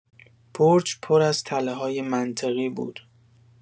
برج پر از تله‌های منطقی بود.